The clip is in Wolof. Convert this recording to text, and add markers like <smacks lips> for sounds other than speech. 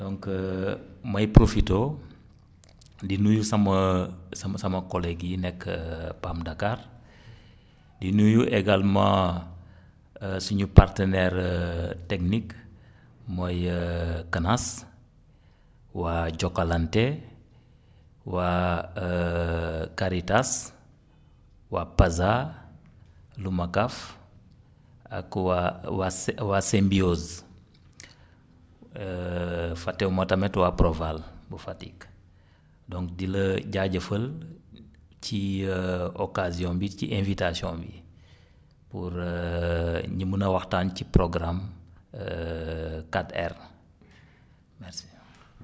donc <hesitation> may profité di nuyu sama <hesitation> sama collègues yi nekk <hesitation> PAM Dakar <inhales> di nuyu égalemnt <hesitation> suñu partenaire <hesitation> technique mooy <hesitation> CANAS waa Jokalante waa <hesitation> Caritas waa Paza Lumacaf ak waa waa se waa Symbiose <smacks lips> <hesitation> fàttewuma tamit waa Proval bu Fatick donc di la <hesitation> jaajëfal ci <hesitation> occasion bi ci invitation bi <breath> pour <hesitation> ñu mën a waxtaan ci programme <hesitation> 4R merci